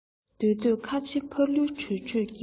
འདོད འདོད ཁ ཆེ ཕ ལུའི གྲོས གྲོས ཀྱི